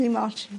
ddim otsh.